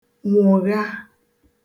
nwògha